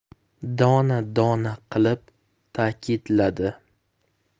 dona dona qilib ta'kidladi